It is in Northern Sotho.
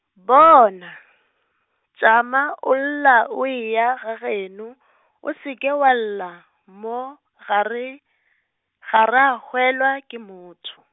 bona, tšama o lla o eya gageno , o se ke wa lla mo ga re, ga ra hwelwa ke motho.